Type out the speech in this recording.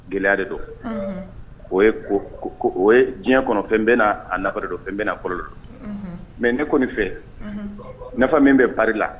Gɛlɛya de dɔn o diɲɛ kɔnɔ fɛn bɛ n a dɔn fɛn bɛ na fɔlɔ la mɛ ne kɔni fɛ min bɛ barika la